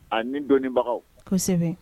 A ni donibagaw kosɛbɛ